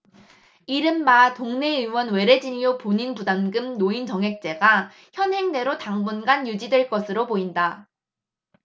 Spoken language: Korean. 이른바 동네의원 외래진료 본인부담금 노인정액제가 현행대로 당분간 유지될 것으로 보인다